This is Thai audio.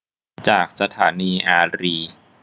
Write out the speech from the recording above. จากสถานีอารีย์